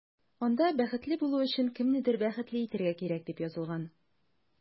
Анда “Бәхетле булу өчен кемнедер бәхетле итәргә кирәк”, дип язылган.